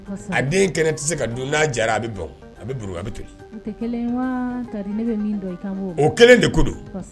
A den kɛnɛ tɛ se ka dun n'a jara a bɛ bɔn, a bɛ bunu a bɛ toli, u kelen ye wa tari ne bɛ min ma i kan b'o ma, o kelen de ko don